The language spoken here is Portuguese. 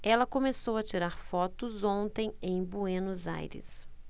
ela começou a tirar fotos ontem em buenos aires